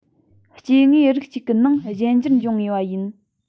སྐྱེ དངོས རིགས གཅིག གི ནང གཞན འགྱུར འབྱུང ངེས པ ཡིན